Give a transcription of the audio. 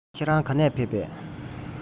ཁྱེད རང ག ནས ཕེབས པས